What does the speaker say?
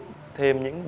thêm những